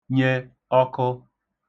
nye ọkụ